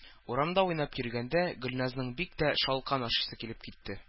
Урамда уйнап йөргәндә Гөльназның бик тә шалкан ашыйсы килеп китте